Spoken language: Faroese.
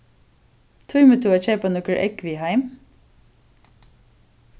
tímir tú at keypa nøkur egg við heim